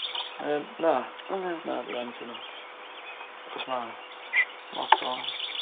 Yy na. Na. Na by' rai' angytuno. Achos ma' lot o